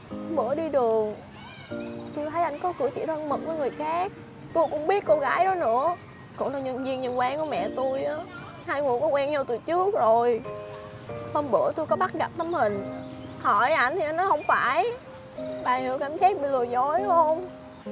hôm bữa đi đường tui thấy ảnh có cử chỉ thân mật với người khác tui cũng biết cô gái đó nữa cổ là nhân viên trong quán của mẹ tui ớ hai người có quen nhau từ trước rồi hôm bữa tôi có bắt gặp tấm hình hỏi ảnh thì ảnh bảo hổng phải bà hiểu cảm giác bị lừa dối hông